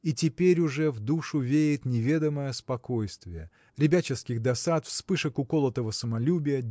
И теперь уже в душу веет неведомое спокойствие ребяческих досад вспышек уколотого самолюбия